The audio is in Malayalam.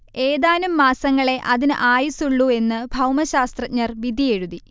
ഏതാനും മാസങ്ങളേ അതിന് ആയുസുള്ളൂ എന്ന് ഭൗമശാസ്ത്രജ്ഞർ വിധിയെഴുതി